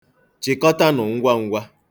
Chịkọtanụ ngwa ngwa.